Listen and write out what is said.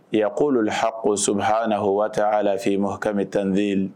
Ykulul hagu subahanahu wa taala fi mahkami tanziilihi